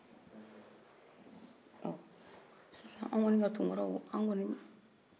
ɔn sisan anw kɔnin ka tunkaraw anw kɔnin anw bɛ jeliya in kɔnɔla la